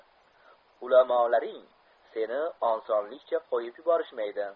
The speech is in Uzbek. ulamolaring seni osonlikcha qo'yib yuborishmaydi